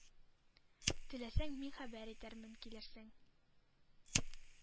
Теләсәң, мин хәбәр итәрмен, килерсең